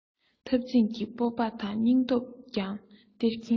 འཐབ འཛིང གི སྤོབས པ དང སྙིང སྟོབས ཀྱང སྟེར གྱིན གདའ